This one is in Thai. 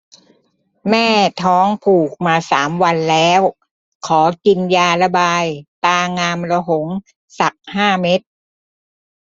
แม่ท้องผูกมาสามวันแล้วขอกินยาระบายตรางามระหงสักห้าเม็ด